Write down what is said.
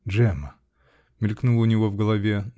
"Джемма!" -- мелькнуло у него в голове.